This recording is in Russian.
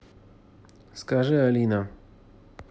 скажи алина